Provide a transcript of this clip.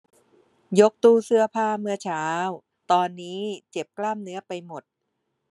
ยกตู้เสื้อผ้าเมื่อเช้าตอนนี้เจ็บกล้ามเนื้อไปหมด